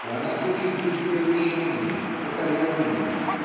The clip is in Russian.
И она хочет быть прирученной покоренной